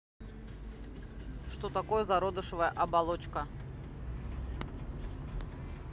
что такое зародышевая оболочка